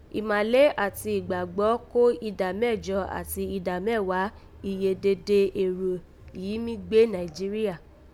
Ìmàle àti ìgbàgbọ́ kó ìdá mẹ́jo àti ìdá mẹ́wàá iye dede èrò yìí mí gbé Nàìjíríà